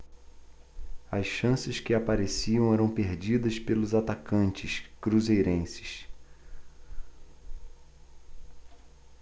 as chances que apareciam eram perdidas pelos atacantes cruzeirenses